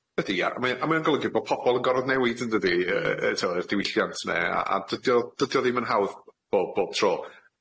Ydi a mae a mae o'n golygu bo' pobol yn gorod newid yndydi yy yy t'o' y diwylliant 'ne a a dydi o dydi o ddim yn hawdd bob bob tro.